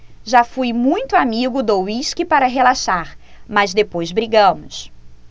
já fui muito amigo do uísque para relaxar mas depois brigamos